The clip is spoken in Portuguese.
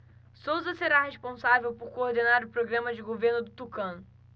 souza será responsável por coordenar o programa de governo do tucano